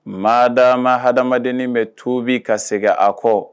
Mama ha adamadamaden bɛ tubi ka sɛgɛn a kɔ